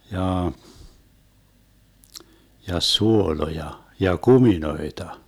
jaa ja suoloja ja kuminoita